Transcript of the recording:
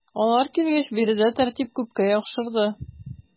Алар килгәч биредә тәртип күпкә яхшырды.